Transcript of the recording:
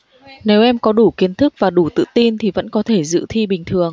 nếu em có đủ kiến thức và đủ tự tin thì vẫn có thể dự thi bình thường